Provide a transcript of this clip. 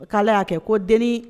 K'ale ale y'a kɛ ko deniba